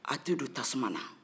a tɛ don tasuman na